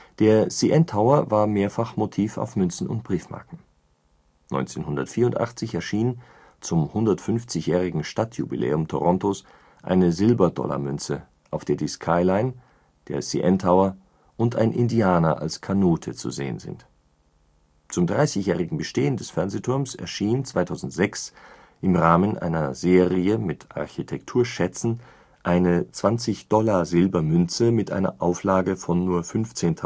Der CN Tower war mehrfach Motiv auf Münzen und Briefmarken. 1984 erschien zum 150-jährigen Stadtjubiläum Torontos eine Silberdollarmünze, auf der die Skyline, der CN Tower und ein Indianer als Kanute zu sehen sind. Zum 30-jährigen Bestehen des Fernsehturms erschien 2006 im Rahmen einer Serie mit Architekturschätzen eine 20-Dollar-Silbermünze mit einer Auflage von nur 15.000